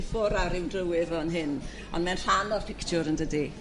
I ffwrR aR ryw drywydd fan hyn ond ma' e'n rhan o'r pictwr yndydi?